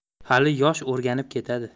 hali yosh o'rganib ketadi